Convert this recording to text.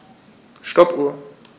Stoppuhr.